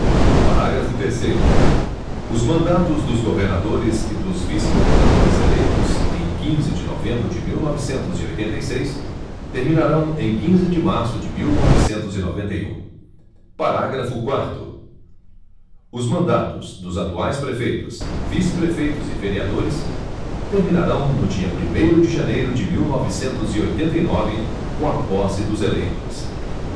parágrafo terceiro os mandatos dos governadores e dos vice governadores eleitos em quinze de novembro de mil novecentos e oitenta e seis terminarão em quinze de março de mil novecentos e noventa e um parágrafo quarto os mandatos dos atuais prefeitos vice prefeitos e vereadores terminarão no dia primeiro de janeiro de mil novecentos e oitenta e nove com a posse dos eleitos